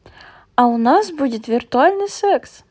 а у нас будет виртуальный секс